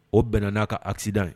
O bɛnna n'a ka akida ye